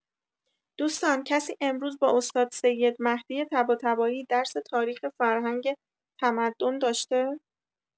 دوستان کسی امروز با استاد سید مهدی طباطبایی درس تاریخ فرهنگ تمدن داشته؟